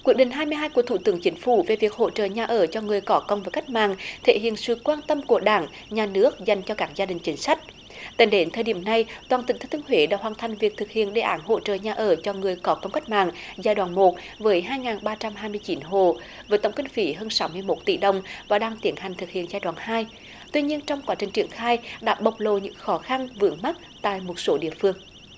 quyết định hai mươi hai của thủ tướng chính phủ về việc hỗ trợ nhà ở cho người có công với cách mạng thể hiện sự quan tâm của đảng nhà nước dành cho các gia đình chính sách tính đến thời điểm này toàn tỉnh thừa thiên huế đã hoàn thành việc thực hiện đề án hỗ trợ nhà ở cho người có công cách mạng giai đoạn một với hai nghìn ba trăm hai mươi chín hộ với tổng kinh phí hơn sáu mươi mốt tỷ đồng và đang tiến hành thực hiện giai đoạn hai tuy nhiên trong quá trình triển khai đã bộc lộ những khó khăn vướng mắc tại một số địa phương